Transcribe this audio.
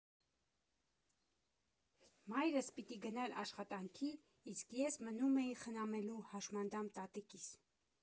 Մայրս պիտի գնար աշխատանքի, իսկ ես մնում էի խնամելու հաշմանդամ տատիկիս։